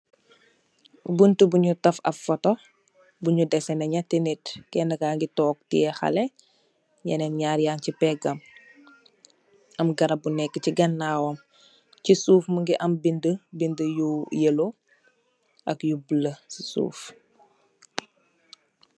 Buntu bunyi taff ak photo bunyu desneh nyatti nit kene kangi tok tiyeh xaleh yenen nyarr yang si pegam am garab bu nekk si ganawam si suff mungi am bindi bindi yu yellow ak yu bula si suff.